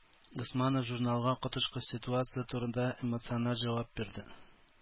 Госманов журналга коточкыч ситуация турында эмоциональ җавап бирде.